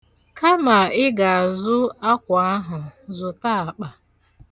Kama ị ga-azụ akwa ahụ zụta akpa.